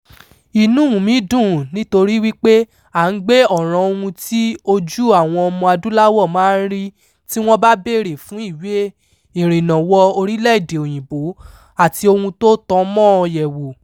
Inúu mi dùn nítorí wípé à ń gbé ọ̀ràn ohun tí ojú àwọn ọmọ-adúláwọ̀ máa ń rí ní wọ́n bá béèrè fún ìwé ìrìnnà wọ Orílẹ̀-èdè òyìnbó àti ohun ti ó tan mọ́ ọn yè wò.